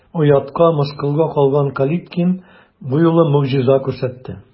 Оятка, мыскылга калган Калиткин бу юлы могҗиза күрсәтте.